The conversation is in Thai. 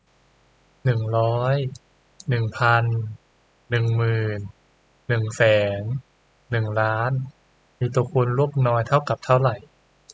หนึ่งพันห้าสิบหนึ่งร้อยเก้าสิบสี่ห้าร้อยห้าสิบมีตัวคูณร่วมน้อยเท่ากับเท่าไหร่